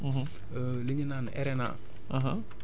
nga def ko brise vent loolu tamit bu munee nekk baax na